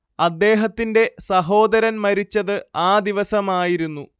അദ്ദേഹത്തിന്റെ സഹോദരൻ മരിച്ചത് ആ ദിവസമായിരുന്നു